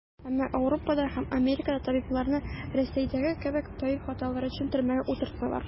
Әмма Ауропада һәм Америкада табибларны, Рәсәйдәге кебек, табиб хаталары өчен төрмәгә утыртмыйлар.